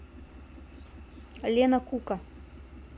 лена кука